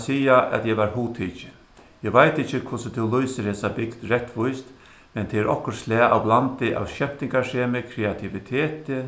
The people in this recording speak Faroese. siga at eg var hugtikin eg veit ikki hvussu tú lýsir hesa bygd rættvíst men tað er okkurt slag av blandi av skemtingarsemi kreativiteti